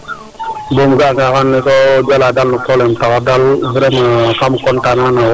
Bo um ga'anga xa andoona yee sax vraiment kam content na na wo'.